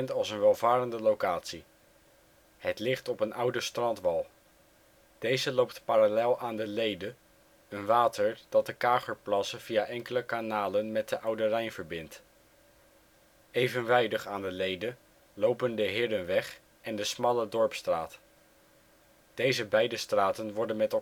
als een welvarende locatie. Het ligt op een oude strandwal. Deze loopt parallel aan de Leede, een water dat de Kagerplassen via enkele kanalen met de Oude Rijn verbindt. Evenwijdig aan de Leede lopen de Herenweg en de smalle Dorpsstraat. Deze beide straten worden met